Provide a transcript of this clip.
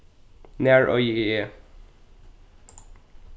nær eigi eg